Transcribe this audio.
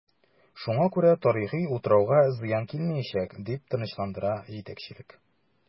Шуңа күрә тарихи утрауга зыян килмиячәк, дип тынычландыра җитәкчелек.